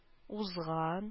Узган